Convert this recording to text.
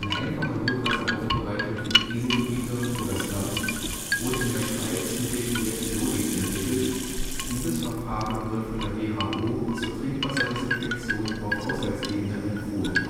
einfache Notwasseraufbereitung für Krisengebiete oder Slums wurde in der Schweiz mit dem Projekt SODIS entwickelt, dieses Verfahren wird von der WHO zur Trinkwasserdesinfektion auf Haushaltsebene empfohlen